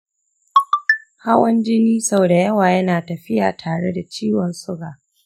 hawan jini sau da yawa yana tafiya tare da ciwon suga